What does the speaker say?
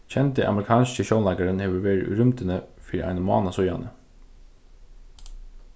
kendi amerikanski sjónleikarin hevur verið í rúmdini fyri einum mána síðani